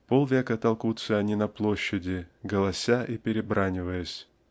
Полвека толкутся они на площади, голося и перебраниваясь.